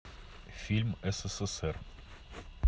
фильм ссср